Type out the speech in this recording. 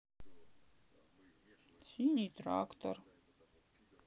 синий трактор